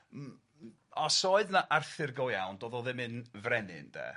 M- m- os oedd 'na Arthur go iawn doedd o ddim in frenin de.